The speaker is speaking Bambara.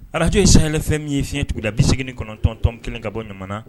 Arajo ye sanyɛlɛfɛn min ye fiɲɛɲɛyetigɛda binse9tɔntɔn kelen ka bɔ jamana